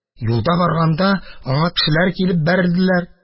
Юлда барганда, аңа кешеләр килеп бәрелделәр.